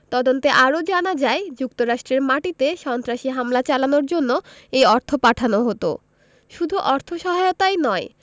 তদন্তে আরও জানা যায় যুক্তরাষ্ট্রের মাটিতে সন্ত্রাসী হামলা চালানোর জন্য এই অর্থ পাঠানো হতো শুধু অর্থসহায়তাই নয়